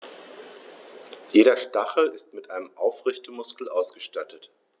Jeder Stachel ist mit einem Aufrichtemuskel ausgestattet.